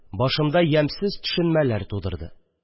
Башымда ямьсез төшенмәләр тудырды